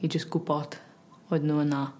i jyst gwbod oedden n'w yna.